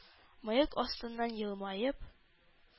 Мыек астыннан елмаеп: